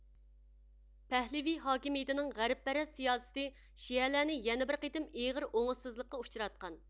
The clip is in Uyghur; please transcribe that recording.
پەھلىۋى ھاكىمىيىتىنىڭ غەربپەرەس سىياسىتى شىئەلەرنى يەنە بىر قېتىم ئېغىر ئوڭۇشسىزلىققا ئۇچراتقان